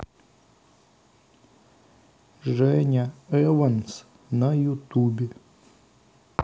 женя эванс на ютубе